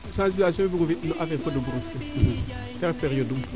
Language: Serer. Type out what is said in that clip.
sensiblisatiion bugumo fi no affaire feu de brousse ke manam a koɓale na doxa te ref periode um